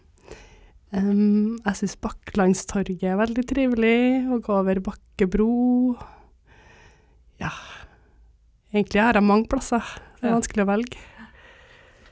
jeg syns Bakklandstorget er veldig trivelig og over Bakke bro ja egentlig har jeg mange plasser det er vanskelig å velge.